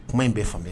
Kuma in bɛ fan